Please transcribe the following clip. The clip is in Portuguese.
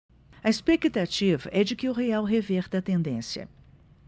a expectativa é de que o real reverta a tendência